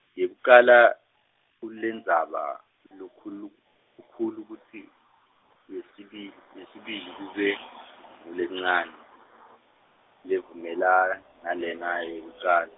yekucala, ngulendzaba, lokhulu-, -kukhulu kutsi, yesibil- yesibili kube, ngulencane, levumela, nalena yekucala.